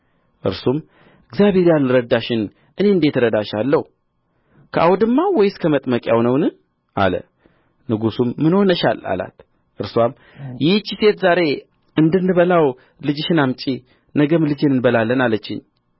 እርሱም እግዚአብሔር ያልረዳሽን እኔ እንዴት እረዳሻለሁ ከአውድማው ወይስ ከመጥመቂያው ነውን አለ ንጉሡም ምን ሆነሻል አላት እርስዋም ይህች ሴት ዛሬ እንድንበላው ልጅሽን አምጪ ነገም ልጄን እንበላለን አለችኝ